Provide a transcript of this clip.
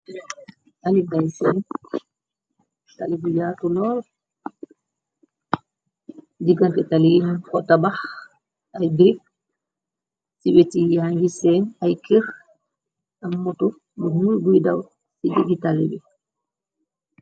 Talinday seen talibu yaatu loor digante talin xota bax ay bif ci weti yaa ngi seen ay këx am moto bu muul buy daw ci digitali bi.